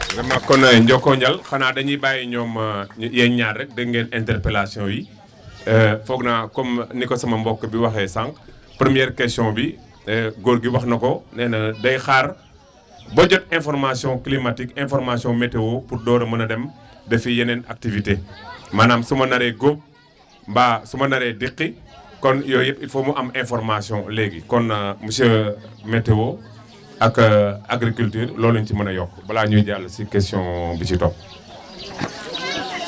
variement kon xanaa dañuy bàyyi ñoom yéen ñaar rek dégg ngeen interpellations yi foog naa comme ni ko sama mbokk bi waxee sànq première question bi góor gi wax na ko nee na day xaar ba jot i_nformation climatique information météo pour door a mën a dem defi yeneen activités maanaam su ma naree góob mbaa su ma naree deqi kon yooyu yëpp il faut mu am information léegi kon monsieur météo ak agriculture loo leen si mën a yokk balaa ñuy jàll si question bi si topp